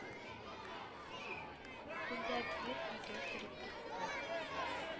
Күндәм ир өйгә кереп китте